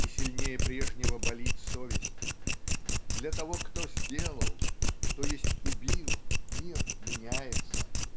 и сильнее прежнего болит совесть. Для того, кто сделал, т. е. убил, мир меняется.